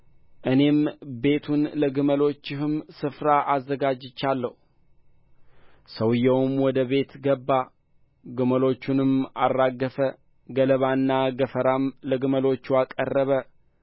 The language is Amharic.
እኔም ቤቱን ለግመሎችህም ስፍራ አዘጋጅቼአለሁ ሰውዮውም ወደ ቤት ገባ ግመሎቹንም አራገፈ ገለባና ገፈራም ለግመሎቹ አቀረበ